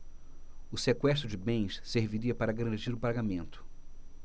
o sequestro de bens serviria para garantir o pagamento